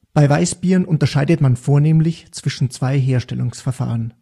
Bei Weißbieren unterscheidet man vornehmlich zwischen zwei Herstellungsverfahren